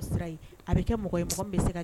Sira ye a bɛ kɛ mɔgɔ ye mɔgɔ min bɛ se ka d